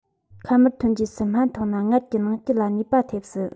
ཁམས དམར ཐོན རྗེས སུ སྨན འཐུང ན མངལ གྱི ནང སྐྱི ལ ནུས པ ཐེབས སྲིད